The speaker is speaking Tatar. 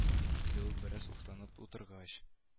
Диде ул бераз уфтанып утыргач